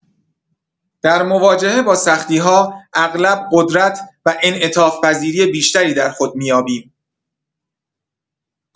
در مواجهه با سختی‌ها، اغلب قدرت و انعطاف‌پذیری بیشتری در خود می‌یابیم.